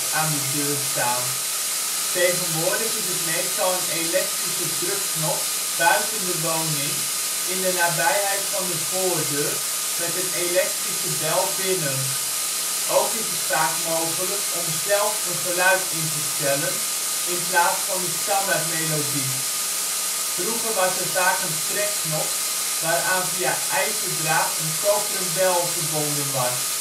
aan de deur staan. Tegenwoordig is het meestal een elektrische drukknop buiten de woning in de nabijheid van de voordeur met een elektrische bel binnen. Ook is het vaak mogelijk om zelf een geluid in te stellen, in plaats van de standaard melodie. Vroeger was er vaak een trekknop waaraan via ijzerdraad een koperen bel verbonden was